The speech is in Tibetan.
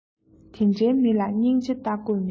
དེ འདྲའི མི ལ སྙིང རྗེ ལྟ དགོས མེད